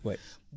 oui